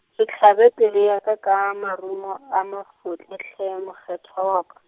se hlabe pelo ya ka ka marumo a mafotle hle mokgethwa wa ka.